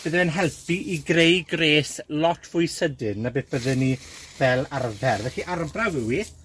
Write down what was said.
bydde fe'n helpu i greu gres lot fwy sydyn na beth bydden ni fel arfer. Felly arbrawf yw 'i,